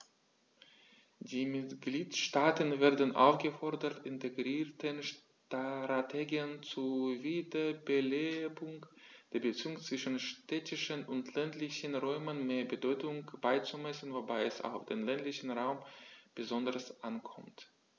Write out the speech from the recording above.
Die Mitgliedstaaten werden aufgefordert, integrierten Strategien zur Wiederbelebung der Beziehungen zwischen städtischen und ländlichen Räumen mehr Bedeutung beizumessen, wobei es auf den ländlichen Raum besonders ankommt.